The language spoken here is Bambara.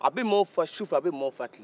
a bɛ maaw faga su fe a bɛ maaw faga tile fɛ